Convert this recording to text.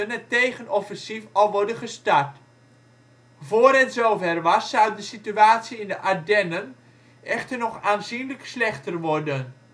het tegenoffensief al worden gestart. Voor het zover was, zou de situatie in de Ardennen echter nog aanzienlijk slechter worden